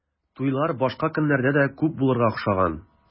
Туйлар башка көннәрдә дә күп булырга охшаган.